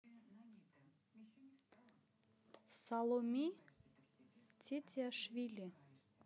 саломи тетиашвили